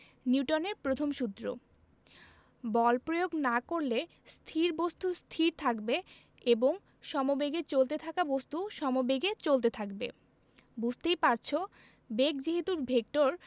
নিউটনের প্রথম সূত্র বল প্রয়োগ না করলে স্থির বস্তু স্থির থাকবে এবং সমেবেগে চলতে থাকা বস্তু সমেবেগে চলতে থাকবে বুঝতেই পারছ বেগ যেহেতু ভেক্টর